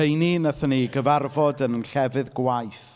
Rheini wnaethon ni gyfarfod yn ein llefydd gwaith.